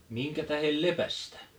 minkä tähden lepästä